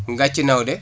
Ngathie Nawde